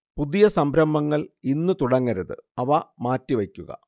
പുതിയ സംരംഭങ്ങൾ ഇന്ന് തുടങ്ങരുത് അവ മാറ്റിവയ്ക്കുക